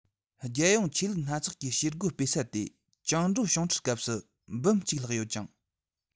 རྒྱལ ཡོངས ཆོས ལུགས སྣ ཚོགས ཀྱི བྱེད སྒོ སྤེལ ས དེ བཅིང འགྲོལ བྱུང འཕྲལ སྐབས སུ འབུམ གཅིག ལྷག ཡོད ཅིང